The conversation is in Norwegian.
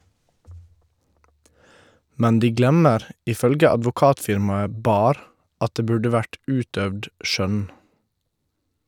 Men de glemmer, ifølge advokatfirmaet BA-HR , at det burde vært utøvd skjønn.